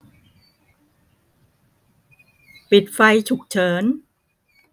ปิดไฟฉุกเฉิน